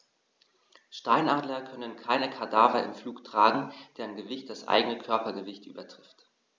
Steinadler können keine Kadaver im Flug tragen, deren Gewicht das eigene Körpergewicht übertrifft.